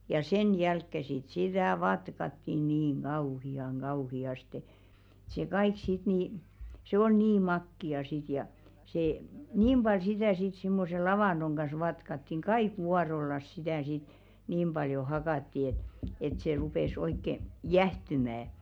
ja sen jälkeen sitten sitä vatkattiin niin kauhean kauheasti että se kaikki sitten niin se oli niin makeaa sitten ja se niin paljon sitä sitten semmoisen lavannon kanssa vatkattiin kaikki vuorollansa sitä sitten niin paljon hakattiin että että se rupesi oikein jäähtymään